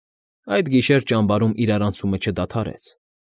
Այդ գիշեր ճամբարում իրարանցումը չդադարեց։